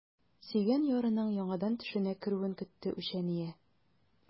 Сөйгән ярының яңадан төшенә керүен көтте үчәния.